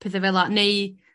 Petha fela neu